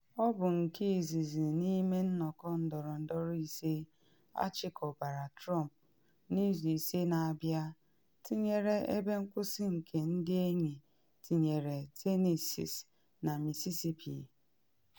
Ọ bụ nke izizi n’ime nnọkọ ndọrọndọrọ ise achịkọbara Trump n’izu ise na-abịa, tinyere ebe nkwụsị nke ndị enyi tinyere Tennessee na Mississippi.